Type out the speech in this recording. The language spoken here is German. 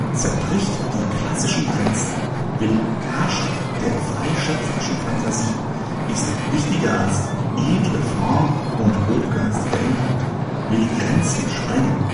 Zerbricht die klassischen Grenzen, will Herrschaft der frei schöpferischen Phantasie (ist wichtiger als „ edle “Form und hochgeistiger Inhalt); will Grenzen sprengen